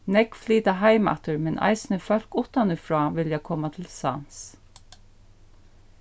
nógv flyta heimaftur men eisini fólk uttanífrá vilja koma til sands